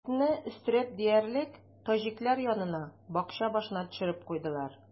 Этне, өстерәп диярлек, таҗиклар янына, бакча башына төшереп куйдылар.